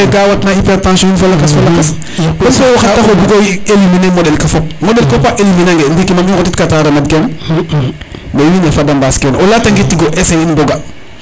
te leye ka watna hypertension yiin fo lakas fo lakas fo lakas kon koy wo xa taxu o bugo éliminer moɗel ke fop moɗel ke fop a élominer ange ndiki mam i ngotit kata reméde kene fop mais wiin we fada mbaas kene o leya tange tig o essayer in bo ga